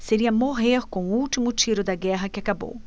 seria morrer com o último tiro da guerra que acabou